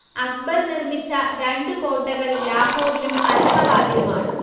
അക്ബർ നിർമിച്ച രണ്ടു കോട്ടകൾ ലാഹോറിലും അലഹബാദിലുമാണ്